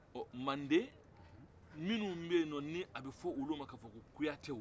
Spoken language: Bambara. ɔ manden minnu bɛ yen n'a bɛ f'olu ma ko kuyatɛw